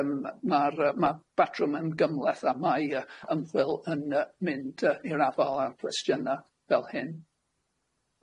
yym ma'r yy ma' batrwm yn gymhleth a mae yy ymchwil yn yy mynd yy i'r afal a'r cwestiyna fel hyn.